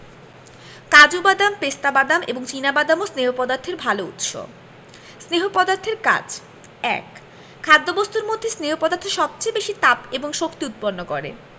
কাজু বাদাম পেস্তা বাদাম এবং চিনা বাদামও স্নেহ পদার্থের ভালো উৎস স্নেহ পদার্থের কাজ ১. খাদ্যবস্তুর মধ্যে স্নেহ পদার্থ সবচেয়ে বেশী তাপ এবং শক্তি উৎপন্ন করে